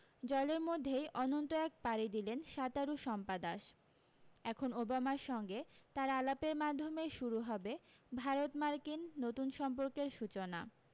জলের মধ্যেই অনন্ত এক পাড়ি দিলেন সাঁতারু শম্পা দাস এখন ওবামার সঙ্গে তাঁর আলাপের মাধ্যমেই শুরু হবে ভারত মার্কিন নতুন সম্পর্কের সূচনা